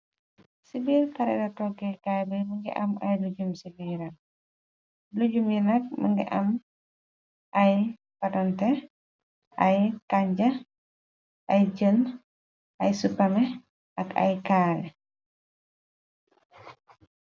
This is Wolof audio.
Si biir kalera togge kaay bi, më ngi am ay lujum ci biiram, lujum yi nak mingi am ay batajta, ay kanja, ay jën, ay supamé, ak ay kaane.